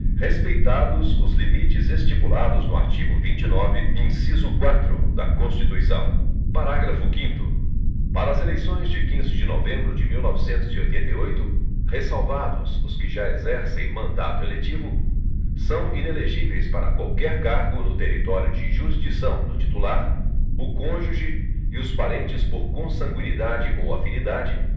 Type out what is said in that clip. respeitados os limites estipulados no artigo vinte e nove inciso quatro da constituição parágrafo quinto para as eleições de quinze de novembro de mil novecentos e oitenta e oito ressalvados os que já exercem mandato eletivo são inelegíveis para qualquer cargo no território de jurisdição do titular o cônjuge e os parentes por consangüinidade ou afinidade